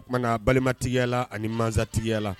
O kumana balima tigiyala ani masa tigiyala